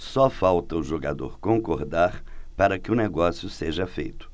só falta o jogador concordar para que o negócio seja feito